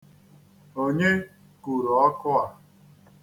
Onye kuru ọkụ a?